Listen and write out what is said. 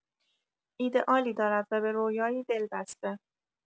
ایده‌آلی دارد و به رویایی دل‌بسته.